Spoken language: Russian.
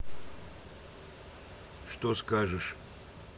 что скажешь